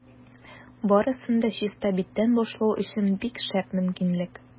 Барысын да чиста биттән башлау өчен бик шәп мөмкинлек.